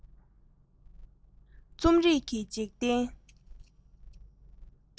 རྩོམ རིག གི འཇིག རྟེན